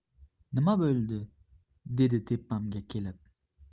nima bo'ldi dedi tepamga kelib